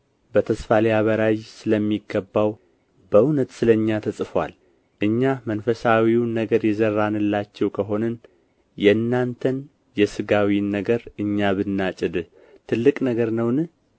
በተስፋ ሊያበራይ ስለሚገባው በእውነት ስለ እኛ ተጽፎአል እኛ መንፈሳዊን ነገር የዘራንላችሁ ከሆንን የእናንተን የሥጋዊን ነገር እኛ ብናጭድ ትልቅ ነገር ነውን